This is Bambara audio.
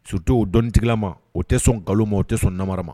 Suto o dɔntigila ma o tɛ sɔn nkalon ma o tɛ sɔn nama ma